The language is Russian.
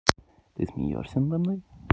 ты смеешься надо мной